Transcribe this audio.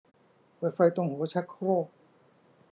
เปิดไฟตรงหัวชักโครก